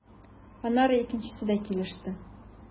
Аннары икенчесе дә килеште.